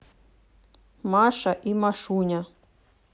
маша и машуня